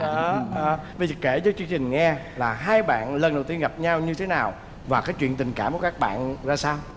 đó bây giờ kể cho chương trình nghe là hai bạn lần đầu tiên gặp nhau như thế nào và cái chuyện tình cảm của các bạn ra sao